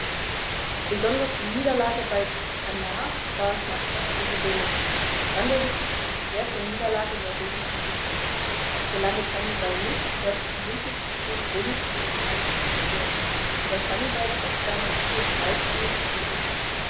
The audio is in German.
Besonders die Niederlage bei Cannae war schmerzhaft für die Römer: Es handelte sich um die schwerste Niederlage in der römischen Geschichte, doch gelang es Hannibal nicht, das Bündnissystem Roms in Italien zu zerstören, sodass Hannibal trotz seiner Siege weitgehend isoliert blieb.